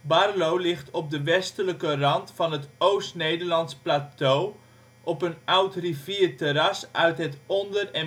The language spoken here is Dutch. Barlo ligt op de westelijke rand van het Oost-Nederlands plateau, op een oud rivierterras uit het Onder-en Midden-Pleistoceen